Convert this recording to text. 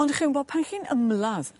ond 'dych chi'n wbo pan chi'n ymladd